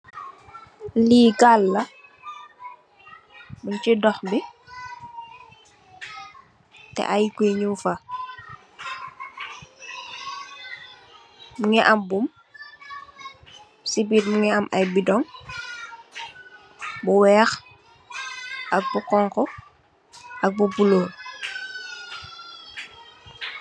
li gal la mung ci dehh bi teh ay guyy nyung fa mungi am boom ci biir mungi am ay bidong bu weex ak bu xonxu ak bu bulo